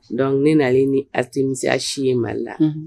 Donc ne nalen ni asitinisiya si ye Mali la. Unhun